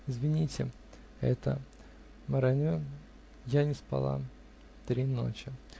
Извините это маранье Я не спала три ночи.